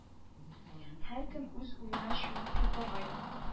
Һәркем үз уена чумып йокларга ятты